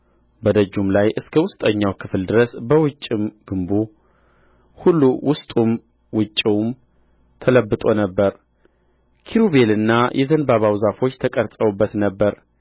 በደጁም ላይ እስከ ውስጠኛው ክፍል ድረስ በውጭም ግንቡ ሁሉ ውስጡም ውጭውም ተለብጦ ነበር ኪሩቤልና የዘንባባው ዛፎች ተቀርጸውበት ነበር